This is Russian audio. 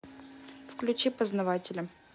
включи познавателя